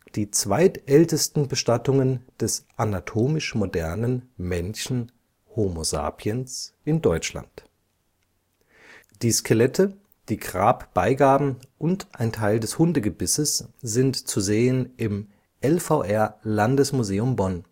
die zweitältesten Bestattungen des anatomisch modernen Menschen (Homo sapiens) in Deutschland. Die Skelette, die Grabbeigaben und ein Teil des Hundegebisses sind zu sehen im LVR-Landesmuseum Bonn